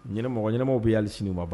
Ɲmɔgɔ ɲɛnaɛnɛmaw bɛ hali sini ma